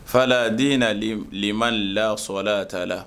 Fala diina limane la sɔlata la